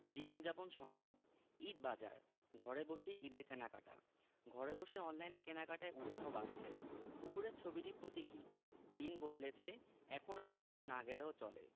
জীবনযাপনসংবাদ ঈদবাজার ঘরে বসেই ঈদের কেনাকাটা ঘরে বসে অনলাইনে কেনাকাটায় উৎসাহ বাড়ছে উপরের ছবিটি প্রতীকী দিন বদলেছে এখন আর বাজারে না গেলেও চলে